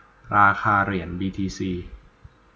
ราคาเหรียญบีทีซี